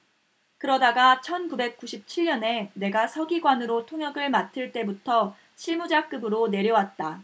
그러다가 천 구백 구십 칠 년에 내가 서기관으로 통역을 맡을 때부터 실무자급으로 내려왔다